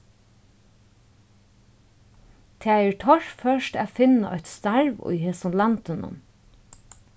tað er torført at finna eitt starv í hesum landinum